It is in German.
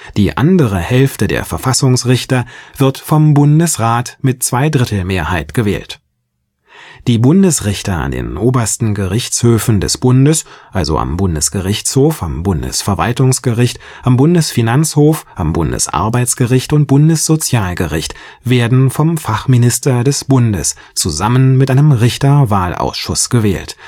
Die andere Hälfte der Verfassungsrichter wird vom Bundesrat mit Zweidrittelmehrheit gewählt. Die Bundesrichter an den obersten Gerichtshöfen des Bundes, also am Bundesgerichtshof, am Bundesverwaltungsgericht, am Bundesfinanzhof, am Bundesarbeitsgericht und Bundessozialgericht werden vom Fachminister des Bundes zusammen mit einem Richterwahlausschuss gewählt